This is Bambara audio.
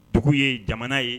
Dugu ye jamana ye